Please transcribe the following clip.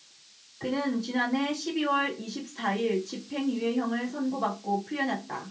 그는 지난해 십 이 월 이십 사 일 집행유예형을 선고받고 풀려났다